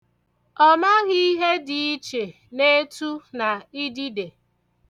Ọ maghị ihe dị iche n'etu na idide.